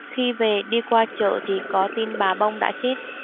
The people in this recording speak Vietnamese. khi về đi qua chợ thì có tin bà bông đã chết